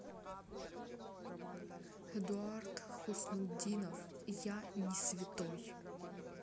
эдуард хуснутдинов я не святой